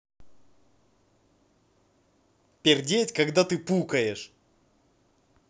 пердеть когда ты пукаешь